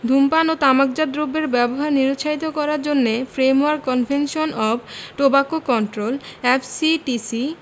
ধূমপান ও তামাকজাত দ্রব্যের ব্যবহার নিরুৎসাহিত করার জন্য framework convention on tobacco control F C T C